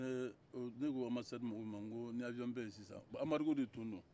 ne ko anbasadi mɔgɔw ma ko ni awiyɔn bɛ yen sisan bon anbarigo de tun don